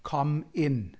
Comm Inn.